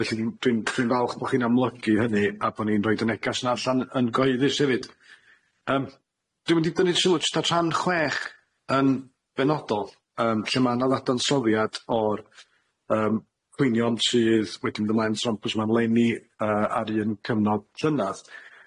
Felly dw dwi'n dwi'n falch bo' chi'n amlygu hynny a bo' ni'n roid y negas yna allan yn goeddus hefyd yym dwi mynd i dynnu sylw jyst ar rhan chwech yn benodol yym lle ma' 'na ddadansoddiad o'r yym cwynion sydd wedi mynd ymlaen so ond pwy sy' 'ma 'leni yy ar un cyfnod llynadd.